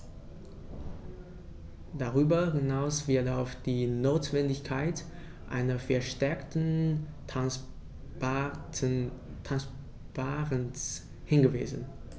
Darüber hinaus wird auf die Notwendigkeit einer verstärkten Transparenz hingewiesen.